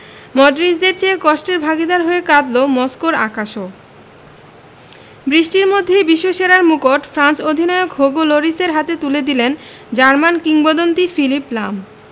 মডরিচদের চেয়ে কষ্টের ভাগিদার হয়ে কাঁদল মস্কোর আকাশও বৃষ্টির মধ্যেই বিশ্বসেরার মুকুট ফ্রান্স অধিনায়ক হুগো লরিসের হাতে তুলে দিলেন জার্মান কিংবদন্তি ফিলিপ লাম